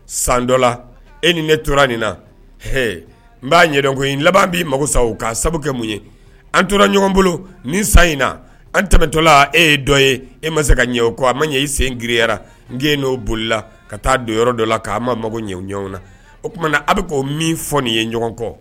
San dɔ la e ni ne tora nin na h n b'a ɲɛ ko in laban bɛ mago sa ka sababu kɛ mun ye an tora ɲɔgɔn bolo ni san in na an tɛmɛtɔla e ye dɔ ye e ma se ka ɲɛ kɔ a man ɲɛ i sen giriyara n gɛn n'o bolila ka taa don yɔrɔ dɔ la k'a ma mago ɲɛ ɲɔgɔn na o tumaumana na a bɛ k'o min fɔ nin ye ɲɔgɔn kɔ